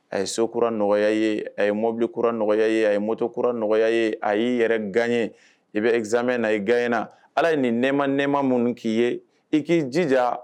A ye so kura nɔgɔya i ye, a ye mobili kura nɔgɔya i ye, a ye moto kura nɔgɔya i ye, a y'i yɛrɛ gagner i bɛ e examen na i gagner na allah ye nin nɛma nɛma minnu k'i ye i k'i jija.